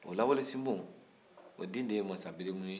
ɔɔ laawale sinbo o den de ye masa belemu ye